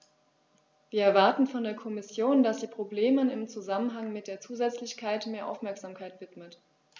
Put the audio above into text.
Wir erwarten von der Kommission, dass sie Problemen im Zusammenhang mit der Zusätzlichkeit mehr Aufmerksamkeit widmet.